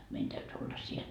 meidän täytyi olla siellä